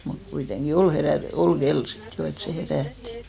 mutta kuitenkin oli - oli kello sitten jo että se herätti